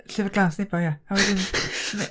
'Llyfr Glas Nebo', ia. A wedyn...